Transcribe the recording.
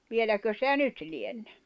vieläkö sitä nyt lienee